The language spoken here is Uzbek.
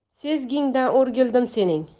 sezgingdan o'rguldim sening